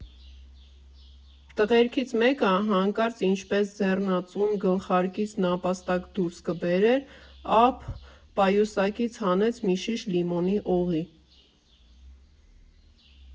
Տղերքից մեկը հանկարծ, ինչպես ձեռնածուն գլխարկից նապաստակ դուրս կբերեր, աաա՜փ, պայուսակից հանեց մի շիշ լիմոնի օղի։